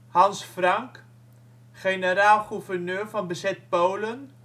Hans Frank (generaal-gouverneur van bezet Polen